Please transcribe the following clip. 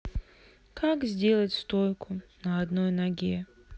как сделать стойку на одной ноге